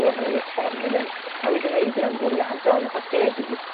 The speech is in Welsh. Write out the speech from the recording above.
o res hon, fan yn. A wi di 'neud na'n fwriadol, achos heddi